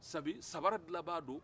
sabu samara dilanbaa don